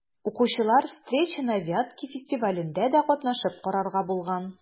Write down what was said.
Укучылар «Встречи на Вятке» фестивалендә дә катнашып карарга булган.